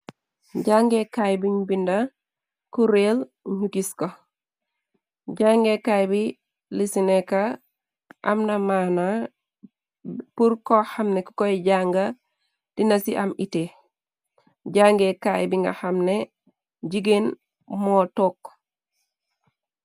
Jangee kaay bi binda kurél nugis ko jangeekaay bi lisineka amna maana pur ko xamne ku koy jànga dina ci am ité jange kaay bi nga xamne jigéen moo took.